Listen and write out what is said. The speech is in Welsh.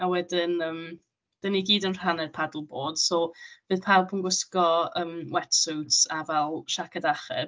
A wedyn, yym dan ni gyd yn rhannu'r paddleboard, so bydd pawb yn gwisgo yym wetsuits a fel siaced achub.